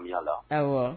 O yala aw